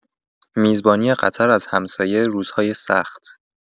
میزبانی قطر از همسایه روزهای سخت